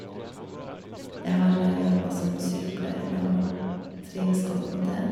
Jeg har jobba som sykepleier og trives godt med det.